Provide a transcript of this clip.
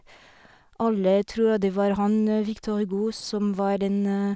Alle tror at det var han, Victor Hugo, som var den...